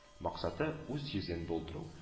Максаты үз йөзен булдыру